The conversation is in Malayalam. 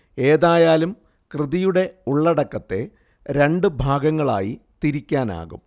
ഏതായാലും കൃതിയുടെ ഉള്ളടക്കത്തെ രണ്ടു ഭാഗങ്ങളായി തിരിക്കാനാകും